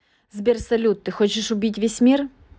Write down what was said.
сбер салют ты хочешь убить весь мир